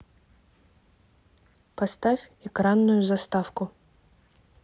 поставь экранную заставку